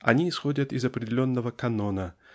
Они исходят из определенного канона